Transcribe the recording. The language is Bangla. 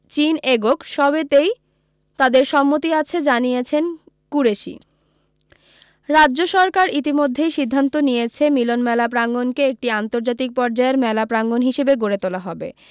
চীন এগোক সবেতেই তাঁদের সম্মতি আছে জানিয়েছেন কুরেশি রাজ্য সরকার ইতিমধ্যেই সিদ্ধান্ত নিয়েছে মিলনমেলা প্রাঙ্গনকে একটি আন্তর্জাতিক পর্যায়ের মেলা প্রাঙ্গন হিসাবে গড়ে তোলা হবে